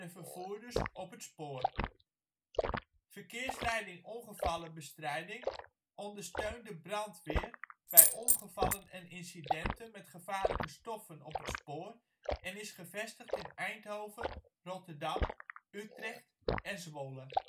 vervoerders op het spoor. Verkeersleiding Ongevallenbestrijding ondersteunt de brandweer bij ongevallen en incidenten met gevaarlijke stoffen op het spoor en is gevestigd in Eindhoven, Rotterdam, Utrecht en Zwolle